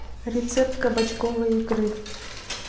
рецепт кабачковой икры